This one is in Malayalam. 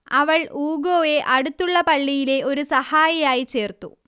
അവൾ ഊഗോയെ അടുത്തുള്ള പള്ളിയിലെ ഒരു സഹായിയായി ചേർത്തു